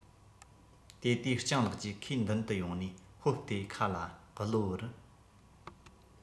དེ དུས སྤྱང ལགས ཀྱིས ཁོའི མདུན དུ ཡོང ནས ཧོབ སྟེ ཁ ལ གློ བུར